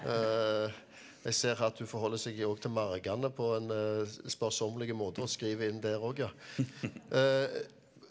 jeg ser her at hun forholder seg jo óg til margene på en sparsommelig måte og skriver inn der òg ja .